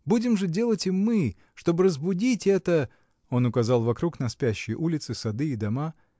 Будем же делать и мы, чтоб разбудить это (он указал вокруг на спящие улицы, сады и дома).